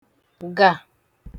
gà